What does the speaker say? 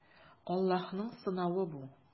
Аллаһның сынавы бу.